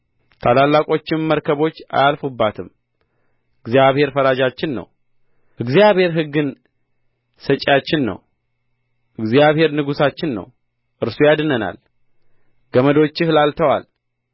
ታላላቆችም መርከቦች አያልፉባትም እግዚአብሔር ፈራጃችን ነው እግዚአብሔር ሕግን ሰጪያችን ነው እግዚአብሔር ንጉሣችን ነው እርሱ ያድነናል ገመዶችህ ላልተዋል